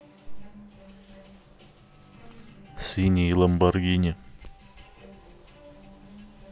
синий lamborghini